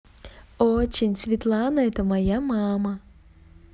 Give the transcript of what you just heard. очень светлана это моя мама